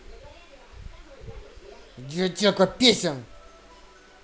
идиотека песен